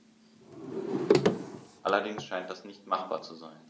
Allerdings scheint das nicht machbar zu sein.